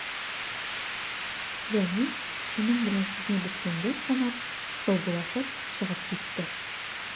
Рәнис, шуның белән сүзне беткәнгә санап, саубуллашып чыгып китте.